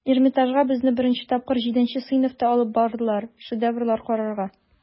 Эрмитажга безне беренче тапкыр җиденче сыйныфта алып бардылар, шедеврлар карарга.